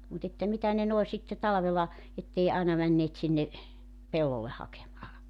mutta että mitä ne noin sitten talvella että ei aina menneet sinne pellolle hakemaan